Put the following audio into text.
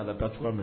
Ala kaura